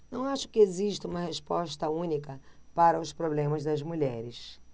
não acho que exista uma resposta única para os problemas das mulheres